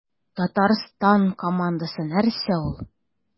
Татарстан командасы нәрсә ул?